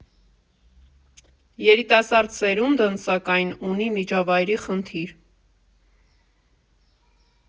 «Երիտասարդ սերունդը, սակայն, ունի միջավայրի խնդիր։